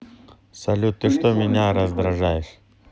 салют ты что меня раздражаешь